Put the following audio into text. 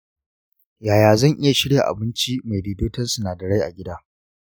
yaya zan iya shirya abinci mai daidaiton sinadarai a gida?